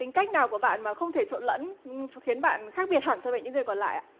tính cách nào của bạn mà không thể trộn lẫn khiến bạn khác biệt hẳn so với những người còn lại